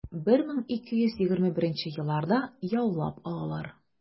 1221 елларда яулап алалар.